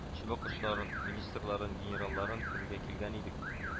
Чыбык очларын, министрларын, генералларын күрергә килгән идек